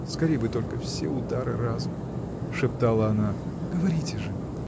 скорей бы только все удары разом!. — шептала она. — Говорите же!